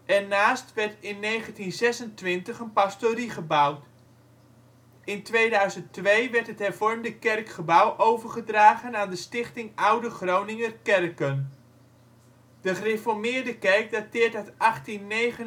Ernaast werd in 1926 een pastorie gebouwd. In 2002 werd het hervormde kerkgebouw overgedragen aan de Stichting Oude Groninger Kerken. De gereformeerde kerk dateert uit 1879